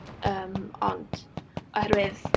Yym, ond oherwydd...